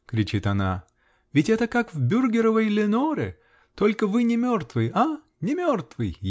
-- кричит она, -- ведь это как в Бюргеровой "Леноре"!Только вы не мертвый -- а?Не мертвый?.